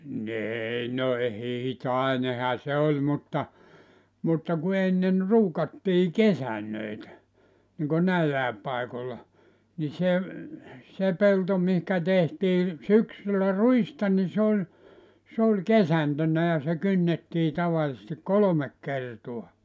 no ei no ei toinenhan se oli mutta mutta kun ennen ruukattiin kesantoja niin kuin näillä paikoilla niin se se pelto mihin tehtiin syksyllä ruista niin se oli se oli kesantona ja se kynnettiin tavallisesti kolme kertaa